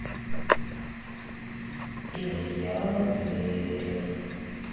илья зверев